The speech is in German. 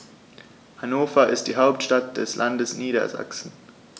Hannover ist die Hauptstadt des Landes Niedersachsen.